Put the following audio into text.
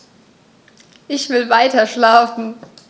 Ich will weiterschlafen.